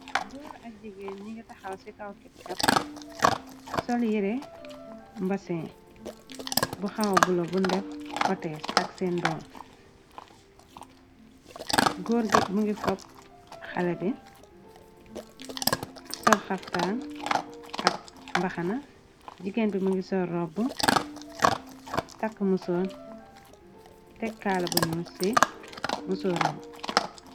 góor ak jigeer ningi taxaw ci kawkep kap sol yire mbasin bu xaw bulo bu ndef otees ak seen doom góor gi mu ngi fop xala di sol xaftaan ak mbaxana jigéen bi mungi sol robe takk muso tek kaala buñuul ci muso rant bi.